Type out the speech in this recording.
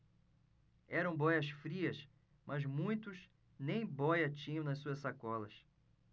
eram bóias-frias mas muitos nem bóia tinham nas suas sacolas